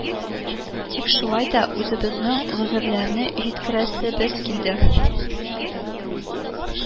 Тик шулай да үзебезнең гозерләрне җиткерәсебез килде